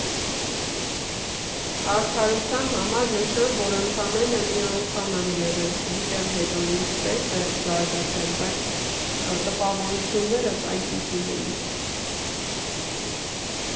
Արդարության համար նշեմ, որ ընդամենը մի անգամ եմ եղել, չգիտեմ՝ հետո ինչպես է զարգացել, բայց տպավորություններս այդպիսինն էին։